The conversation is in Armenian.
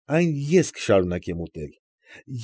Այն ես կշարունակեմ ուտել։